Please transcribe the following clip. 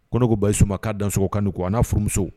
Koko basiyi suma k'a danso kan ko a n'a f furumuso